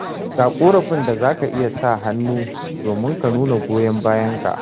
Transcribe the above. Ga ƙorafin da za ka iya sa hannu domin ka nuna goyon bayanka.